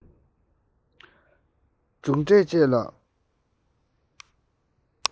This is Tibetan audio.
རྒྱུ རྐྱེན དང